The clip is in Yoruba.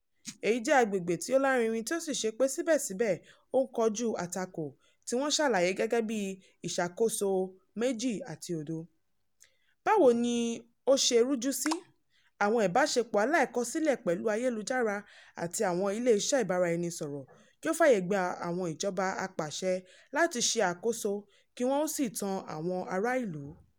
Èyí jẹ́ agbègbè tí ó lárinrin tí ó ṣe pé síbẹ̀síbẹ̀ ó ń kojú àtakò, tí wọ́n ṣàlàyé gẹ́gẹ́ bíi "Ìṣàkóso 2.0": "...báwo ni ó se rújú sí, àwọn ìbáṣepọ̀ aláìlákọsílẹ̀ pẹ̀lú ayélujára àti àwọn ilé iṣẹ́ ìbáraẹnisọ̀rọ̀ yóò fàyè gba àwọn ìjọba apàṣẹ láti ṣe àkóso kí wọ́n ó sì tan àwọn ará ìlú.